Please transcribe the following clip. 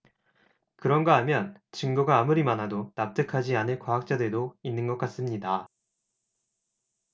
그런가 하면 증거가 아무리 많아도 납득하지 않을 과학자들도 있는 것 같습니다